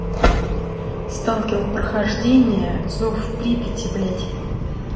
stalker прохождение зов припяти блядь